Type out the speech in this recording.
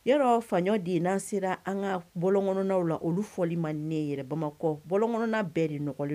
Yɔrɔ Faɲɔn Dena sera an ka bɔlon kɔnɔna la olu fɔli man di ne yɛrɛ ye .Bamakɔ bɔLɔn bɛɛ de nɔgɔlen don